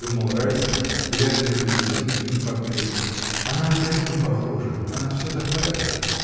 — думал Райский, глядя на привезенный им портрет, — она опять не похожа, она всё такая же!.